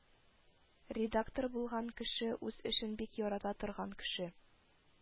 Редактор булган кеше үз эшен бик ярата торган кеше,